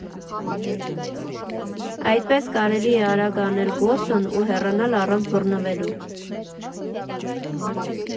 Այդպես կարելի էր արագ անել գործն ու հեռանալ առանց բռնվելու։